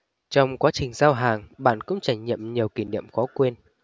trong quá trình giao hàng bạn cũng trải nghiệm nhiều kỷ niệm khó quên